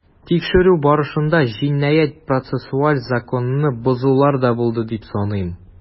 Тикшерү барышында җинаять-процессуаль законны бозулар да булды дип саныйм.